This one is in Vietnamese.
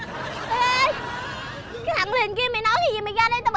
ê ê cái thằng vô hình kia mày nói cái gì mày ra đây tao